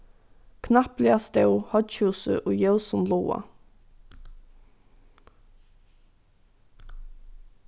knappliga stóð hoyggjhúsið í ljósum loga